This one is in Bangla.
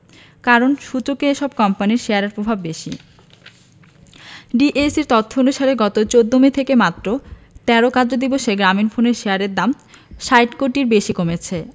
কারণ সূচকে এসব কোম্পানির শেয়ারের প্রভাব বেশি ডিএসইর তথ্য অনুযায়ী গত ১৪ মে থেকে মাত্র ১৩ কার্যদিবসে গ্রামীণফোনের শেয়ারের দাম ৬০ টাকার বেশি কমেছে